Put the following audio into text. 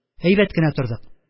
Әйбәт кенә тордык